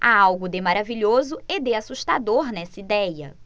há algo de maravilhoso e de assustador nessa idéia